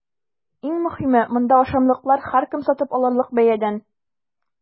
Иң мөһиме – монда ашамлыклар һәркем сатып алырлык бәядән!